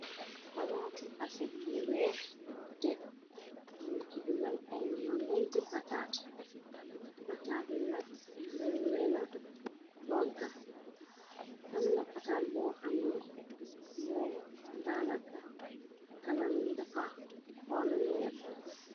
palaati asab yu weex bu tekg ñu ci dugal ay ñeenti pataat pataati nat dañ leena togga amna pataat boo xamne moom daana ka kanam ngi dafax xorleerbu